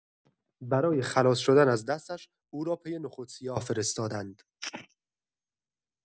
برای خلاص شدن از دستش، او را پی نخود سیاه فرستادند.